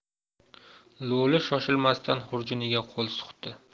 lo'li shoshilmasdan xurjuniga qo'l suqdi